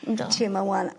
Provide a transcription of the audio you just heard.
Yndw. Ti yma 'wan